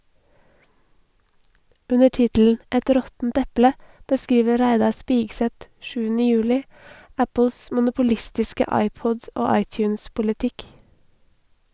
Under tittelen "Et råttent eple" beskriver Reidar Spigseth sjuende juli Apples monopolistiske iPod- og iTunes-politikk.